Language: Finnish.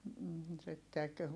mm sitten